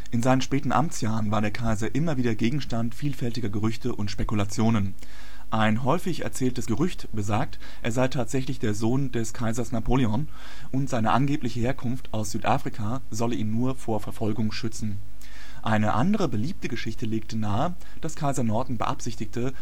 In seinen späten Amtsjahren war der Kaiser immer wieder Gegenstand vielfältiger Gerüchte und Spekulationen. Eine häufig erzähltes Gerücht besagt, er sei tatsächlich der Sohn des Kaisers Napoléon und seine angebliche Herkunft aus Südafrika solle ihn nur vor Verfolgung schützen. Eine andere beliebte Geschichte legte nahe, dass Kaiser Norton beabsichtigte